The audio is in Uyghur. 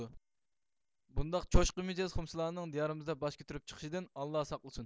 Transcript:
بۇنداق چوشقا مىجەز خۇمسىلارنىڭ دىيارىمىزدا باش كۆتۈرۈپ چىقىشىدىن ئاللا ساقلىسۇن